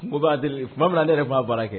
Ko b'a tuma min ne yɛrɛ b'a baara kɛ